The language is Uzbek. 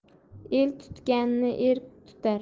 el tutganni er tutar